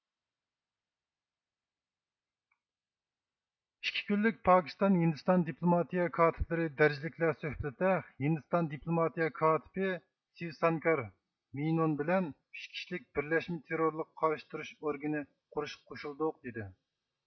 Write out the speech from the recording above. ئىككى كۈنلۈك پاكىستان ھىندىستان دىپلوماتىيە كاتىپلىرى دەرىجىلىكلەر سۆھبىتىدە ھىندىستان دىپلوماتىيە كاتىپى سىۋسانكار مېينون بىلەن ئۈچ كىشىلىك بىرلەشمە تېررورلۇققا قارشى تۇرۇش ئورگىنى قۇرۇشقا قوشۇلدۇق دىدى